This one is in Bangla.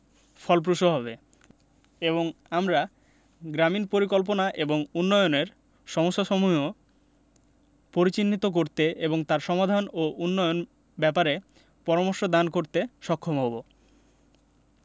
ফলপ্রসূ হবে এবং আমরা গ্রামীন পরিকল্পনা এবং উন্নয়নের সমস্যাসমূহ পরিচিহ্নিত করতে এবং তার সমাধান ও উন্নয়ন ব্যাপারে পরামর্শ দান করতে সক্ষম হবো